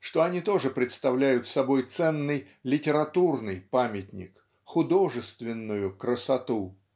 что они тоже представляют собой ценный литературный памятник художественную красоту.